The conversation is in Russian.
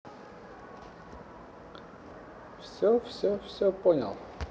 все все все понял